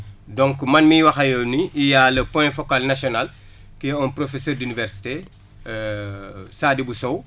donc man mii wax ak yow nii il y' a le point focal national qui ont un professeur d' université Sadibou Sow